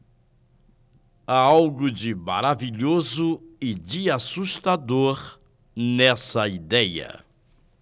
há algo de maravilhoso e de assustador nessa idéia